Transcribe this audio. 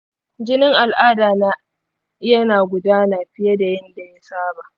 jinin al'ada na yana gudana fiye da yanda ya saba.